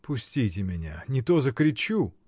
— Пустите меня: не то закричу!